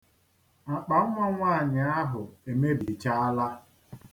Akpannwa nwaanyị ahụ emebichaala.